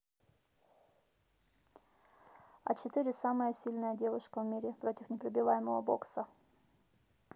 а четыре самая сильная девушка в мире против непробиваемого бокса